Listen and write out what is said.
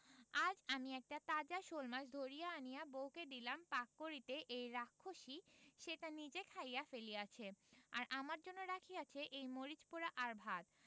আজ আমি একটা তাজা শােলমাছ ধরিয়া আনিয়া বউকে দিলাম পাক করিতে এই রাক্ষসী সেটা নিজেই খাইয়া ফেলিয়াছে আর আমার জন্য রাখিয়াছে এই মরিচ পোড়া আর ভাত